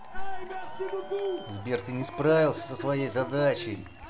сбер ты не справился со своей задачей